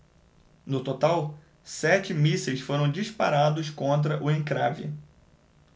no total sete mísseis foram disparados contra o encrave